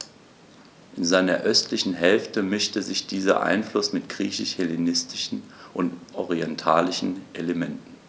In seiner östlichen Hälfte mischte sich dieser Einfluss mit griechisch-hellenistischen und orientalischen Elementen.